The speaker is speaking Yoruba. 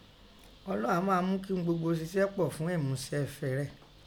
Ọlọ́un a máa mu ki ihun gbogbo sisẹ pọ̀ fun ẹ̀muse ẹ̀fe Rẹ̀,